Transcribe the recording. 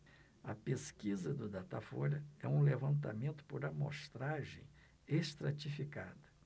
a pesquisa do datafolha é um levantamento por amostragem estratificada